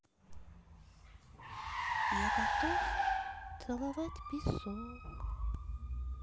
я готов целовать песок